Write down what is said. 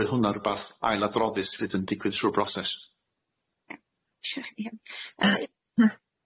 Bydd hwnna'n rwbath ailadroddus fydd yn digwydd trw'r broses. Ie.